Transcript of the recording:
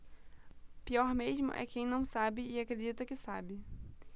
pior mesmo é quem não sabe e acredita que sabe